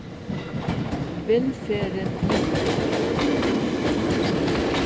vindferðin minkar